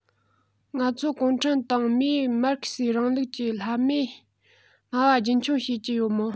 ང ཚོ གུང ཁྲན ཏང མིས མར ཁེ སིའི རིང ལུགས ཀྱི ལྷ མེད སྨྲ བ རྒྱུན འཁྱོངས བྱེད ཀྱི ཡོད མོད